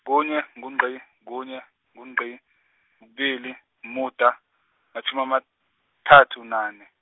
kunye, ngungqi, kunye, ngungqi, kubili, umuda, matjhumi, amathathu nane.